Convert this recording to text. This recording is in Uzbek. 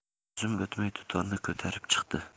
zum o'tmay dutorni ko'tarib chiqdi